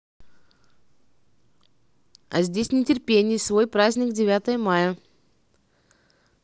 а здесь не терпение свой праздник девятое мая